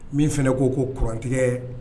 Min fana ko ko kurantigɛ